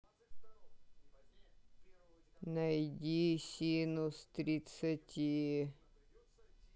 найди синус тридцати